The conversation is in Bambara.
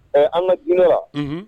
Ɛɛ an ka g la